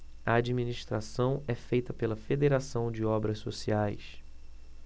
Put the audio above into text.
a administração é feita pela fos federação de obras sociais